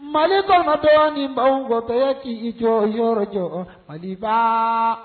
Malitɔtɔ ni baanwkɔtɔya k' jɔyɔrɔ jɔ hali fa